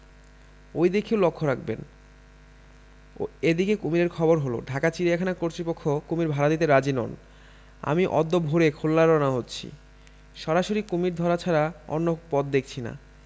ঐ দিকেও লক্ষ রাখবেন এ দিকে কুমীরের খবর হল ঢাকা চিড়িয়াখানা কর্তৃপক্ষ কুণীর ভাড়া দিতে রাজী নন আমি অদ্য ভোরে খুলনা রওনা হচ্ছি সরাসরি কুমীর ধরা ছাড়া অন্য পথ দেখছি না